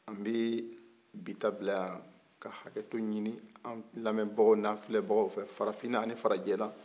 an bɛ bɛ t'a bila yan ka hakɛto ɲini an lamɛnbagaw n'a filɛbagaw fɛ farafinna ani farajɛ la